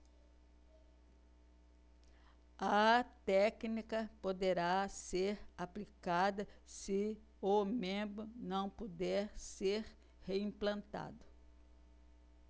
a técnica poderá ser aplicada se o membro não puder ser reimplantado